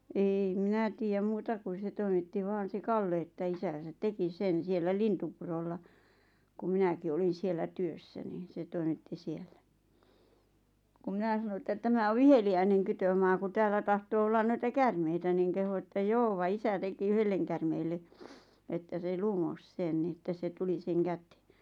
en minä tiedä muuta kuin se toimitti vain se Kalle että isänsä teki sen siellä Lintupurolla kun minäkin olin siellä työssä niin se toimitti siellä kun minä sanoin että tämä on viheliäinen kytömaa kun täällä tahtoo olla noita käärmeitä niin kehui että joo vaan isä teki yhdelle käärmeelle että se lumosi sen niin että se tuli sen käteen